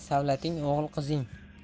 savlating o'g'il qizing